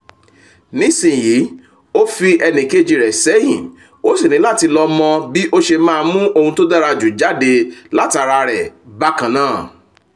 Nísìnyí, o fi ẹnìkejì rẹ sẹ́hìn ó sì níláti lọ mọ́ bí ó sẹ máa mu ohun tó dára jù jáde lát ara rẹ̀, bákan náà."